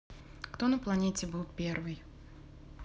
кто на планете был первый